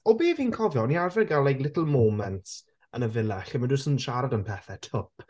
O be fi'n cofio o'n ni'n arfer cael like little moments yn y Villa lle maen nhw jyst yn siarad am pethau tŵp.